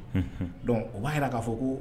Dɔnku u b'a jira k'a fɔ ko